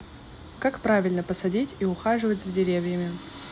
как правильно посадить и ухаживать за деревьями